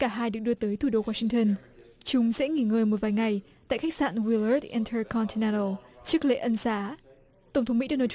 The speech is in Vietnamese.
cả hai được đưa tới thủ đô goa sin tơn chúng sẽ nghỉ ngơi một vài ngày tại khách sạn guy dớt in tơ con ti na nồ chức lễ ân xá tổng thống mỹ đô nan